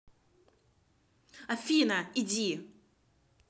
афина иди